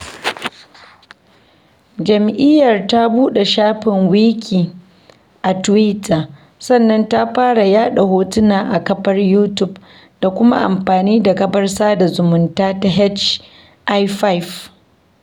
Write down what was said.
Jami'iyyar ta buɗe shafin Wiki da tiwita, sannan ta fara yaɗa hotuna a kafar Youtube da kuma amfani da kafar sada zamunta ta Hi-5.